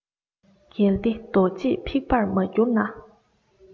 གལ ཏེ རྡོ རྗེས ཕིགས པར མ གྱུར ན